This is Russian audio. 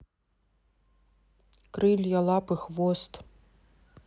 крылья лапы хвост